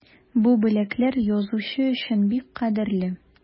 Бу бүләкләр язучы өчен бик кадерле.